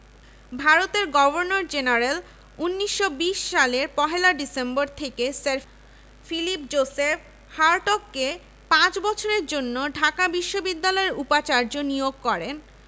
কলকাতা বিশ্ববিদ্যালয়ের chancellor Lord Chelmsford ১৯১৭ সালের ৬ January এক অভিষেক অনুষ্ঠানে বিশ্ববিদ্যালয় প্রতিষ্ঠার সমস্যা ও চাহিদা নির্ণয়ের লক্ষ্যে